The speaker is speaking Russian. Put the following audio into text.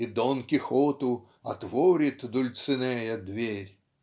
и Дон Кихоту Отворит Дульцинея дверь.